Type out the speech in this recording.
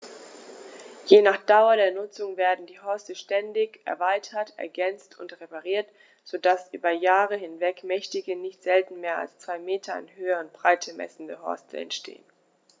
Je nach Dauer der Nutzung werden die Horste ständig erweitert, ergänzt und repariert, so dass über Jahre hinweg mächtige, nicht selten mehr als zwei Meter in Höhe und Breite messende Horste entstehen.